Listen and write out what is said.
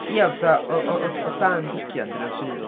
Ia fatha o o dan ugain dyna be fyswn i'n eu ddweud.